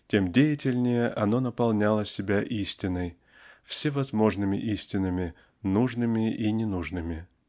тем деятельнее оно наполняло себя истиной -- всевозможными истинами нужными и ненужными.